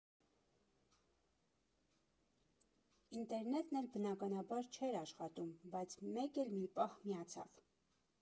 Ինտերնետն էլ բնականաբար չէր աշխատում, բայց մեկ էլ մի պահ միացավ։